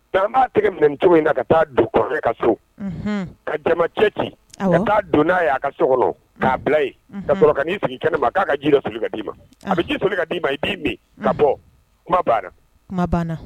Tan b' tigɛ minɛn cogo in na ka taa du kɔrɔkɛ ka so ka jama cɛ ci ka'a don n'a' aa ka so kɔnɔ k'a bila ka sigi kɛnɛ ma k'a ka ji so ka d ii a bɛ ji so ka d' ma i b'i min ka bɔ kuma banna